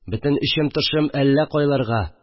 Бөтен эчем-тышым әллә кайларга